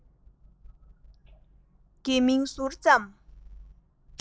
དགེ མིང ཟུར ཙམ